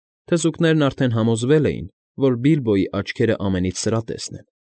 Թզուկներն արդեն համոզվել էին, որ Բիլբոյի աչքերը ամենից սրատեսն են։ ֊